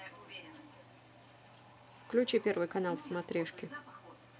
включи первый канал в смотрешке